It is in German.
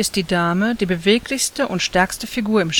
die Dame die beweglichste und stärkste Figur im